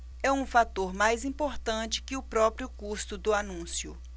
é um fator mais importante que o próprio custo do anúncio